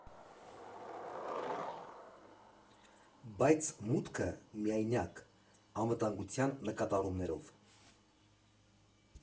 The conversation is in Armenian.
Բայց մուտքը՝ միայնակ, անվտանգության նկատառումներով։